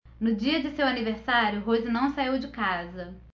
no dia de seu aniversário rose não saiu de casa